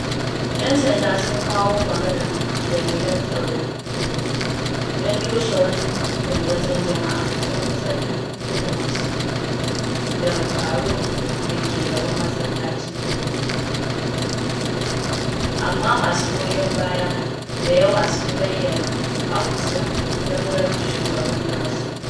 ‘Yan sanda sun kawo maganar dalilan tsaro don toshe wani dandazon jama’a na kusan 25,000 daga taro da ke gaban masallacin, amma masu goyon baya da yawa sun bayyana a kusa don ganin shugaban nasu.